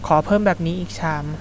ขอเพิ่มแบบนี้อีกชาม